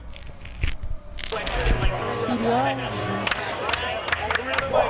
сериал жить